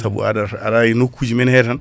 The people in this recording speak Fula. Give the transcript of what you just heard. saabu aɗa ara ara e nokkuji men he tan